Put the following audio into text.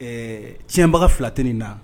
Ɛɛ tiɲɛnbaga 2 tɛ ni na